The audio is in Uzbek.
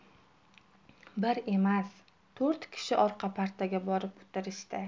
bir emas to'rt kishi orqa partaga borib o'tirishdi